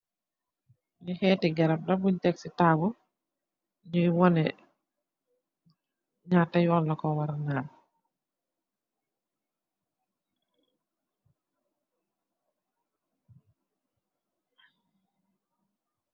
Li heteh karam laah bun tek si tabul , di woneh njatah yoon gagoh warah naan .